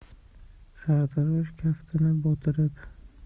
sartarosh kaftini botirib